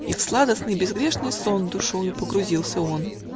И в сладостный, безгрешный сон Душою погрузился он.